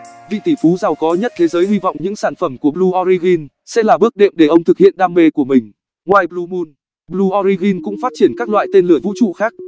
vị tỷ phú giàu có nhất thế giới hy vọng những sản phẩm của blue origin sẽ là bước đệm để ông thực hiện đam mê của mình ngoài blue moon blue origin cũng phát triển các loại tên lửa vũ trụ khác